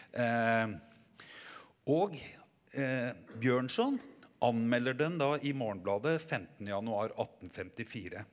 og Bjørnson anmelder den da i Morgenbladet femtende januar attenfemtifire.